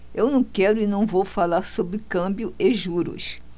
eu não quero e não vou falar sobre câmbio e juros